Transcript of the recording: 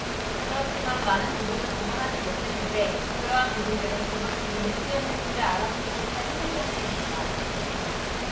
그렇지만 많은 부분은 복원하지 못했는데 그러한 부분들은 그것이 리메스였는지를 알아보기조차 힘들 정도입니다